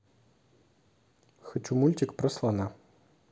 хочу мультик про слона